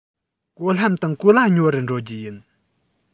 གོ ལྷམ དང གོ ལྭ ཉོ རུ འགྲོ རྒྱུ ཡིན